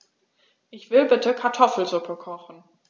Ich will bitte Kartoffelsuppe kochen.